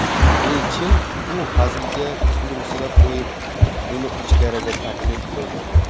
elchin bu hazilga kulimsirab qo'yib uni ichkariga taklif qildi